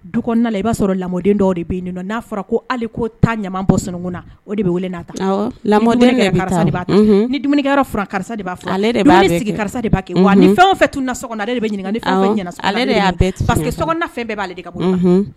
Du i b'a sɔrɔ laden dɔw de n'a fɔra ko ko ta bɔ sunkun na o de bɛ karisa ni dumuni karisa b'a sigi karisa de kɛ ni fɛn fɛ tun ale bɛ ɲininka b'aale de ka bɔ